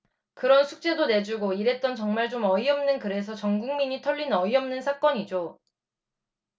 그런 숙제도 내주고 이랬던 정말 좀 어이없는 그래서 전국민이 털린 어이없는 사건이죠